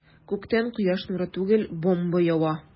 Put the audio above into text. Күктән кояш нуры түгел, бомба ява.